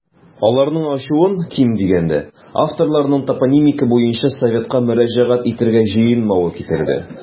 Аларның ачуын, ким дигәндә, авторларның топонимика буенча советка мөрәҗәгать итәргә җыенмавы китерде.